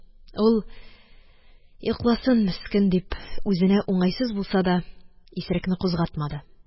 Ул, йокласын, мескен, дип, үзенә уңайсыз булса да, исерекне кузгатмады